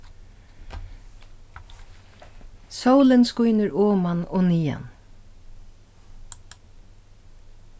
sólin skínur oman og niðan